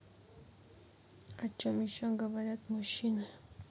о чем еще говорят мужчины